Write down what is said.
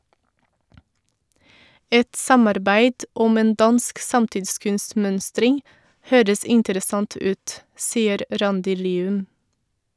- Et samarbeid om en dansk samtidskunstmønstring høres interessant ut, sier Randi Lium.